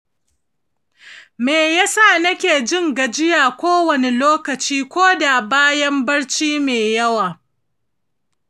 me ya sa nake jin gajiya kowane lokaci ko da bayan barci me yawa?